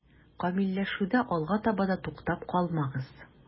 Камилләшүдә алга таба да туктап калмагыз.